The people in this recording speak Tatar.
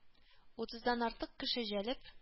Утыздан артык кеше әлеп